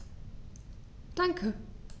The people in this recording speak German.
Danke.